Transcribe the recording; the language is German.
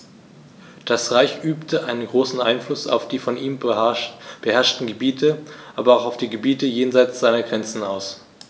Das Reich übte einen großen Einfluss auf die von ihm beherrschten Gebiete, aber auch auf die Gebiete jenseits seiner Grenzen aus.